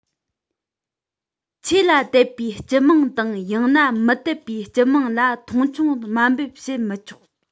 ཆོས ལ དད པའི སྤྱི དམངས དང ཡང ན མི དད པའི སྤྱི དམངས ལ མཐོང ཆུང དམའ འབེབས བྱེད མི ཆོག